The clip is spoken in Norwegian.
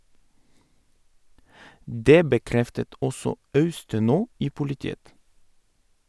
Dét bekreftet også Austenaa i politiet.